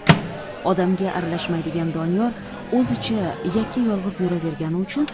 odamga aralashmaydigan doniyor o'zicha yakka yolg'iz yuravergani uchun